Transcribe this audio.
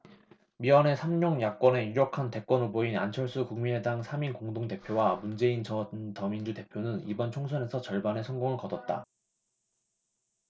미완의 삼룡 야권의 유력한 대권후보인 안철수 국민의당 상임공동대표와 문재인 전 더민주 대표는 이번 총선에서 절반의 성공을 거뒀다